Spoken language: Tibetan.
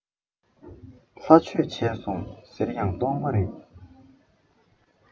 ལྷ ཆོས བྱས སོང ཟེར ཡང སྟོང པ རེད